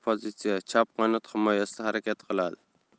xil pozitsiya chap qanot himoyasida harakat qiladi